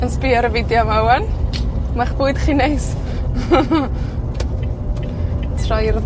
yn sbïo ar y fideo 'ma ŵan, ma'ch bwyd chi'n neis. Troi i'r